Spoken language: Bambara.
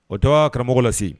O tɛ wa karamɔgɔ Lasi